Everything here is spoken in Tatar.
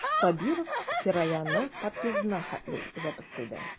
Сабиров Фираяны подъездына хәтле озатып куйды.